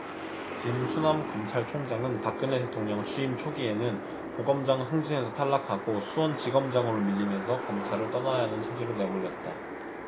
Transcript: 김수남 검찰총장은 박근혜 대통령 취임 초기에는 고검장 승진에서 탈락하고 수원지검장으로 밀리면서 검찰을 떠나야 하는 처지로 내몰렸다